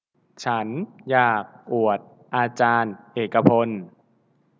ฉันอยากอวดอาจารย์เอกพล